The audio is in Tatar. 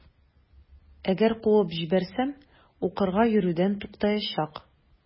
Әгәр куып җибәрсәм, укырга йөрүдән туктаячак.